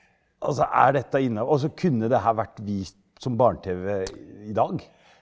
altså er dette også kunne det her vært vist som barne-tv i dag?